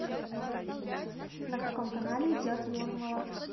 на каком канале идет юрмала